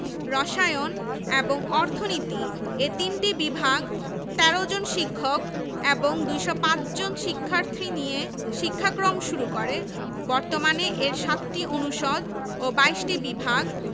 ১৯৮৬ সালের বিশ্ববিদ্যালয় আইন নং ৬৮ বলে ১৯৮৭ সালে সিলেটের কুমারগাঁওতে প্রতিষ্ঠিত হয় এটি দেশের প্রথম বিজ্ঞান ও প্রযুক্তি বিশ্ববিদ্যালয়